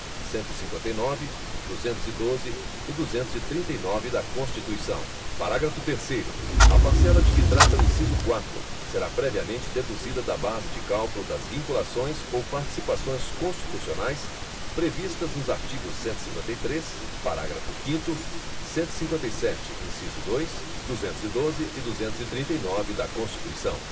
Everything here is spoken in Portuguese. cento e cinquenta e nove duzentos e doze e duzentos e trinta e nove da constituição parágrafo terceiro a parcela de que trata o inciso quatro será previamente deduzida da base de cálculo das vinculações ou participações constitucionais previstas nos artigos cento e cinquenta e três parágrafo quinto cento e cinquenta e sete inciso dois duzentos e doze e duzentos e trinta e nove da constituição